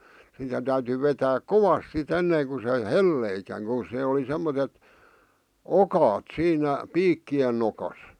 sitä täytyi vetää kovasti sitten ennen kuin se heltisikään kun se oli semmoiset okaat siinä piikkien nokassa